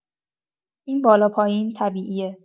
این بالا پایین طبیعیه.